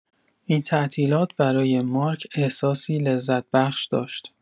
این تعطیلات برای مارک احساسی لذت‌بخش داشت.